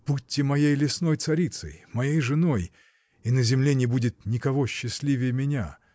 будьте моей лесной царицей, моей женой, — и на земле не будет никого счастливее меня!.